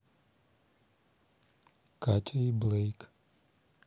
катя и блэйк